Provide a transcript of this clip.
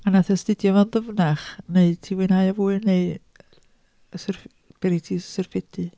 A wnaeth astudio fo'n ddyfnach, wneud i ti fwynhau o fwy neu yy oes yy bydd rhaid i ti syrffedu?